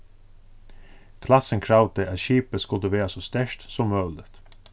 klassin kravdi at skipið skuldi vera so sterkt sum møguligt